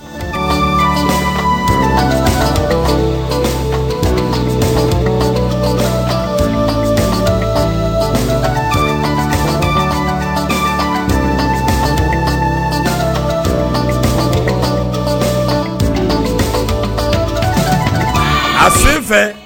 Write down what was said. A sen fɛ